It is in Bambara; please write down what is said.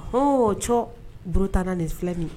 H o cɔ burutanana nin fila nin